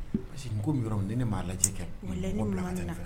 Parce que nin ko nin bɛ yɔrɔ min ni ne m'a lajɛ ka ɲa. Walaye ni mama nana